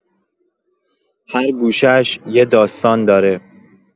هر گوشه‌اش یه داستان داره.